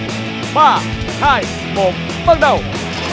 ba hai một bắt đầu